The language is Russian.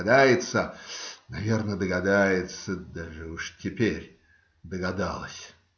Догадается, наверно догадается; даже уж теперь догадалась".